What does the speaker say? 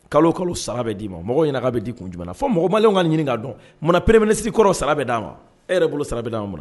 Kalo kalo bɛ d'a ma mɔgɔ ɲini k'a bɛ di kun jumɛn fɔ mɔgɔ ma ka ɲini ɲininka k'a dɔn peleminɛsi kɔrɔ sara bɛ d'a ma e yɛrɛ bolo sara bɛ d'a ma wa